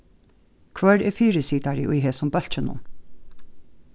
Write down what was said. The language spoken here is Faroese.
hvør er fyrisitari í hesum bólkinum